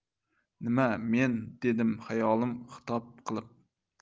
nima men dedim xayolan xitob qilib